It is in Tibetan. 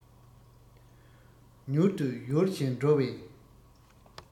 མྱུར དུ ཡུལ གཞན འགྲོ བའི